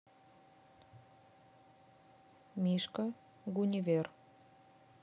мишка гунивер